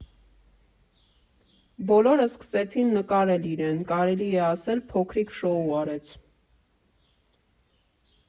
Բոլորը սկսեցին նկարել իրեն, կարելի է ասել, փոքրիկ շոու արեց։